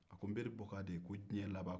a ko nbari bɔkan de ye ko diɲɛ laban